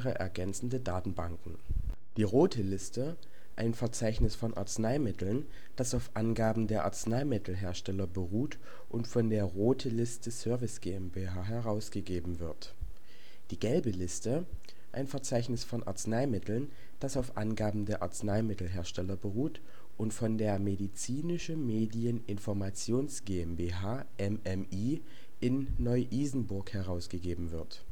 ergänzende Datenbanken: Rote Liste: Verzeichnis von Arzneimitteln, das auf Angaben der Arzneimittelhersteller beruht und von der Rote Liste Service GmbH herausgegeben wird Gelbe Liste: Verzeichnis von Arzneimitteln, das auf Angaben der Arzneimittelhersteller beruht und von der Medizinische Medien Informations GmbH MMI in Neu-Isenburg herausgegeben wird